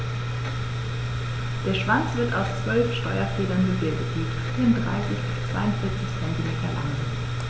Der Schwanz wird aus 12 Steuerfedern gebildet, die 34 bis 42 cm lang sind.